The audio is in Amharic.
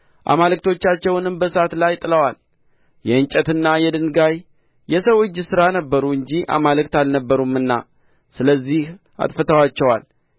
አማልክቶቻቸውንም በእሳት ላይ ጥለዋል የእንጨትና የድንጋይ የሰው እጅ ሥራ ነበሩ እንጂ አማልክት አልነበሩምና ስለዚህ አጥፍተዋቸዋል